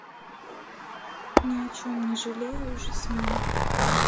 ни о чем не жалею жасмин